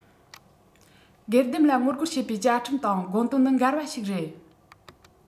སྒེར སྡེམ ལ ངོ རྒོལ བྱེད པའི བཅའ ཁྲིམས དང དགོངས དོན ནི འགལ བ ཞིག རེད